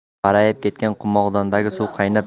qorayib ketgan qumg'ondagi suv qaynab